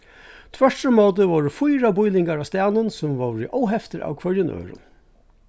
tvørturímóti vóru fýra býlingar á staðnum sum vóru óheftir av hvørjum øðrum